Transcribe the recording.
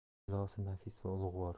jilosi nafis va ulug'vor